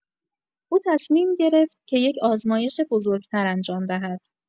او تصمیم گرفت که یک آزمایش بزرگ‌تر انجام دهد.